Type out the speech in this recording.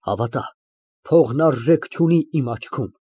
Հավատա, փողն արժեք չունի իմ աչքում։